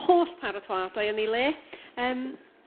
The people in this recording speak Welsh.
holl paratoadau yn eu le yrm